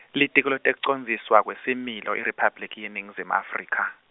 Litiko leTekucondziswa kweSimilo, IRiphabliki yeNingizimu Afrika.